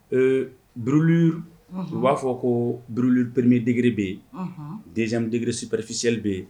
Eee b u b'a fɔ ko blprime dgri bɛ yen denzme dgrisiprisili bɛ yen